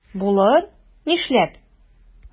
Булыр, нишләп?